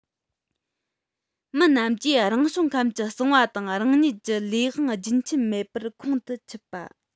མི རྣམས ཀྱིས རང བྱུང ཁམས ཀྱི གསང བ དང རང ཉིད ཀྱི ལས དབང རྒྱུན ཆད མེད པར ཁོང དུ ཆུད པ